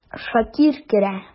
Шакир керә.